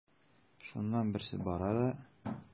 Шуннан берсе бара да:.